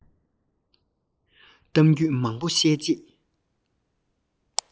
གཏམ རྒྱུད མང པོ བཤད རྗེས